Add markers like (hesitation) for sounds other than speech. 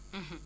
(hesitation) (hesitation)